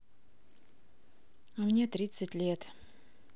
а мне тридцать лет